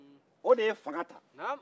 o de ye fanga ta